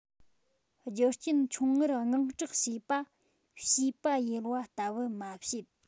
རྒྱུ རྐྱེན ཆུང ངུར དངངས སྐྲག བྱེད པ བྱིས པ ཡེར བ ལྟ བུ མ བྱེད